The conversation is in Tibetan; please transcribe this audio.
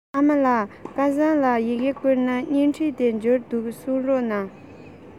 ཨ མ ལགས སྐལ བཟང ལ ཡི གེ བསྐུར ན བརྙན འཕྲིན དེ འབྱོར འདུག གསུངས རོགས